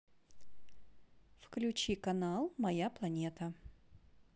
включи канал моя планета